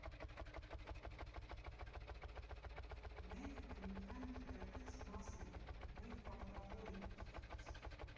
Մենք բնության գիտակից մասն ենք, մենք պարտավոր ենք գիտակցել։